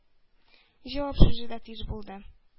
Җавап сүзе дә тиз булды.